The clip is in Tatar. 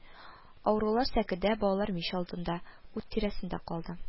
Авырулар сәкедә, балалар мич алдында, ут тирәсендә калды